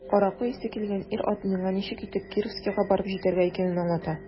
Аракы исе килгән ир-ат миңа ничек итеп Кировскига барып җитәргә икәнен аңлата.